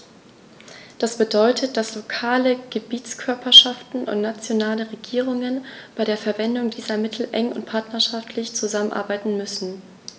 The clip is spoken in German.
Das bedeutet, dass lokale Gebietskörperschaften und nationale Regierungen bei der Verwendung dieser Mittel eng und partnerschaftlich zusammenarbeiten müssen.